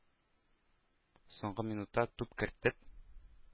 Соңгы минутта туп кертеп,